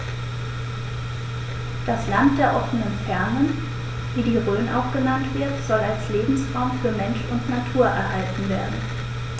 Das „Land der offenen Fernen“, wie die Rhön auch genannt wird, soll als Lebensraum für Mensch und Natur erhalten werden.